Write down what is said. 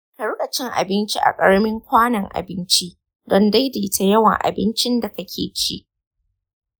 ka riƙa cin abinci a ƙaramin kwanon abinci don daidaita yawan abincin da kake ci.